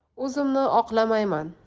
o'zimni oqlamayman